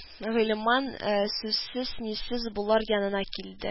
Гыйльман сүзсез-нисез болар янына килде